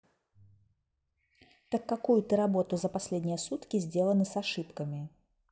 так какую ты работу за последние сутки сделаны с ошибками